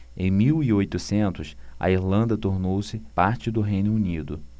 em mil e oitocentos a irlanda tornou-se parte do reino unido